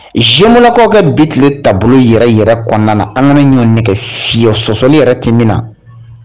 Zgololɔkawkɛ bi tile taabolo yɛrɛ yɛrɛ kɔnɔna an mana ɲɔ nɛgɛ fi sɔsɔli yɛrɛ ten min na